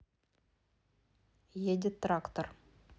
едет трактор